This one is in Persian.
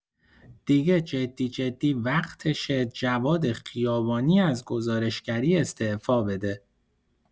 دیگه جدی جدی وقتشه جواد خیابانی از گزارشگری استعفا بده